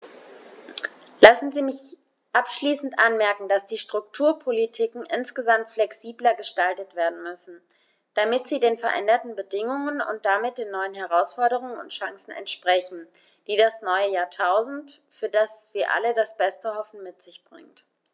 Lassen Sie mich abschließend anmerken, dass die Strukturpolitiken insgesamt flexibler gestaltet werden müssen, damit sie den veränderten Bedingungen und damit den neuen Herausforderungen und Chancen entsprechen, die das neue Jahrtausend, für das wir alle das Beste hoffen, mit sich bringt.